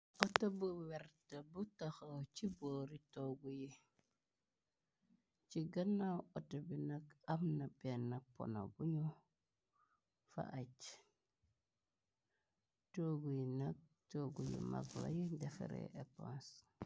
Auto bu wert bu taxaw, ci boori toogu yi ci gënaaw auto bi nak , amna benn pona buñu fa aggi, toogu yi nak toogu yu maglay defaree epenc.